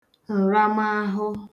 ǹramaahụ